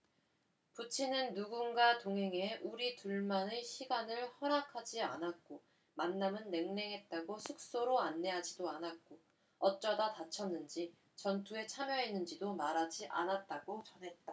부친은 누군가 동행해 우리 둘만의 시간을 허락하지 않았고 만남은 냉랭했다며 숙소로 안내하지도 않았고 어쩌다 다쳤는지 전투에 참여했는지도 말하지 않았다고 전했다